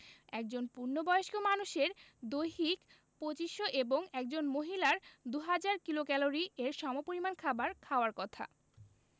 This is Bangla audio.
একজন পূর্ণবয়স্ক মানুষের দৈনিক ২৫০০ এবং একজন মহিলার ২০০০ কিলোক্যালরি এর সমপরিমান খাবার খাওয়ার কথা